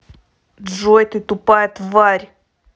джой ты тупая тварь